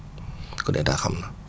kon état xam na